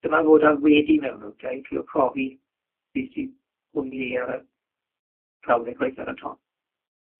Dyma ddod â'r wedi mewn oce trio profi beth sydd o'i le ar y brawddeg reit ar y top.